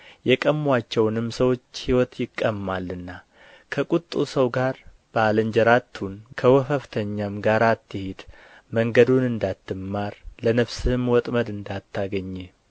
የቀሙአቸውንም ሰዎች ሕይወት ይቀማልና ከቍጡ ሰው ጋር ባልንጀራ አትሁን ከወፈፍተኛም ጋት አትሂድ መንገዱን እንዳትማር ለነፍስህም ወጥመድ እንዳታገኝህ